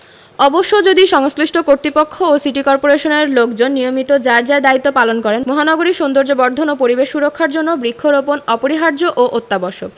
অবশ্য যদি সংশ্লিষ্ট কর্তৃপক্ষ ও সিটি কর্পোরেশনের লোকজন নিয়মিত যার যার দায়িত্ব পালন করেন মহানগরীর সৌন্দর্যবর্ধন ও পরিবেশ সুরক্ষার জন্য বৃক্ষরোপণ অপরিহার্য ও অত্যাবশ্যক